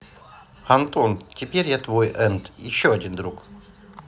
антон теперь я твой and еще один друг